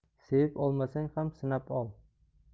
sevib olmasang ham sinab ol